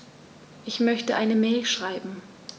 Ich möchte eine Mail schreiben.